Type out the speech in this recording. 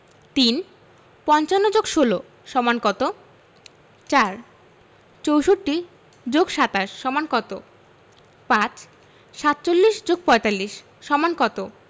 ৩ ৫৫ যোগ ১৬ সমান কত ৪ ৬৪ যোগ ২৭ সমান কত ৫ ৪৭ যোগ ৪৫ সমান কত